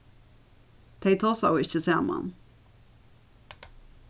tey tosaðu ikki saman